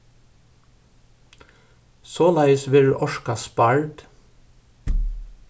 soleiðis verður orka spard